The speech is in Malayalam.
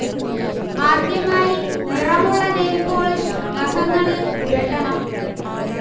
ആദ്യമായി നിറമുള്ള നെയിൽ പോളിഷ് നഖങ്ങളിൽ പുരട്ടണം